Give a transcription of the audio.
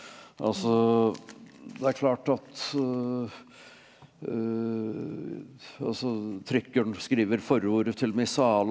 altså det er klart at altså trykkeren skriver forordet til Missale.